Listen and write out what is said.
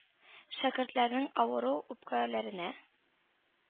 Шәкертләрнең авыру үпкәләренә